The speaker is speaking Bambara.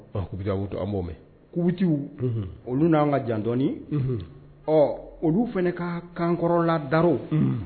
'ubi kaku an' mɛn kuubiti olu n'an ka jandɔi ɔ olu fana ka kan kɔrɔla daraww